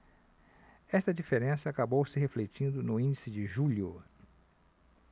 esta diferença acabou se refletindo no índice de julho